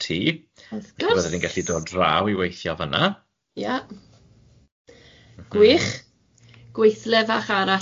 Wrth gwrs... fydde ni gyllu dod draw i weithio fynna... Ia, gwych ... gweithle fach arall i fi